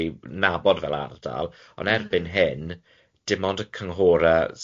ei nabod fel ardal, ond erbyn hyn dim ond y cynghore sydd yn